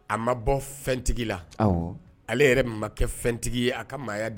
A ma bɔtigi la ale yɛrɛ ma kɛ fɛntigi a ka